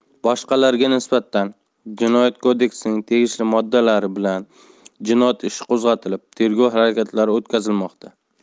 boshqalarga nisbatan jinoyat kodeksining tegishli moddalari bilan jinoyat ishi qo'zg'atilib tergov harakatlari o'tkazilmoqda